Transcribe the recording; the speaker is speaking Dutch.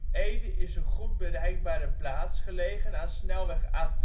Ede is een goed bereikbare plaats gelegen aan snelweg A12